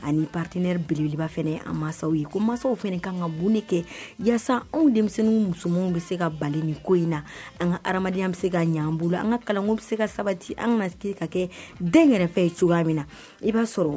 Ani patiinɛɛrɛ belebeleba fana an mansaw ye ko mansaw fana ka ka bonni kɛ yaa anw denmisɛnnin musomanw bɛ se ka bali ni ko in na an ka adama bɛ se ka ɲan bolo an ka kalan bɛ se ka sabati an na se ka kɛ den yɛrɛ cogoya min na i b'a sɔrɔ